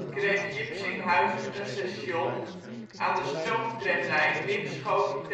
kreeg een Jipsinghuizen een station aan de stoomtramlijn Winschoten